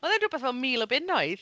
Oedd e'n rhywbeth fel mil o bunnoedd.